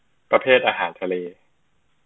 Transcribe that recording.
ประเภทอาหารทะเล